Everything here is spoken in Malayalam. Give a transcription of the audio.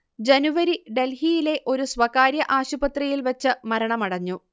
ജനുവരി ഡൽഹിയിലെ ഒരു സ്വകാര്യ ആശുപത്രിയിൽ വച്ച് മരണമടഞ്ഞു